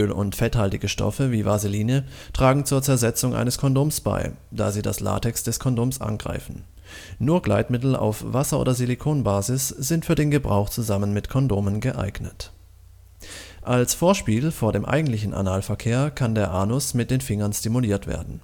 und fetthaltige Stoffe wie Vaseline tragen zur Zersetzung eines Kondoms bei, da sie das Latex des Kondoms angreifen. Nur Gleitmittel auf Wasser - oder Silikon-Basis sind für den Gebrauch zusammen mit Kondomen geeignet. Als Vorspiel vor dem eigentlichen Analverkehr kann der Anus mit den Fingern stimuliert werden